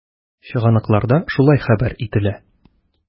Чыганакларда шулай хәбәр ителә.